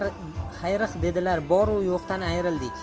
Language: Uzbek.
bor u yo'qdan ayrildik